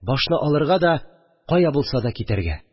Башны алырга да кая булса да китәргә